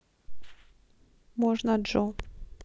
можно джо